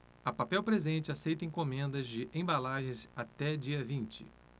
a papel presente aceita encomendas de embalagens até dia vinte